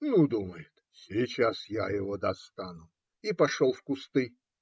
"Ну, - думает, - сейчас я его достану", - и пошел в кусты.